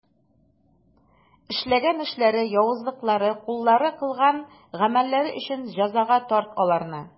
Эшләгән эшләре, явызлыклары, куллары кылган гамәлләре өчен җәзага тарт аларны.